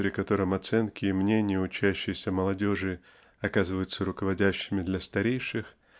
при котором оценки и мнения "учащейся молодежи" оказываются руководящими для старейших